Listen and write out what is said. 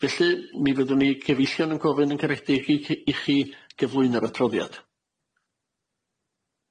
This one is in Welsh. Felly mi fyddwn ni gyfellion yn gofyn yn garedig i ci- i chi gyflwyno'r adroddiad.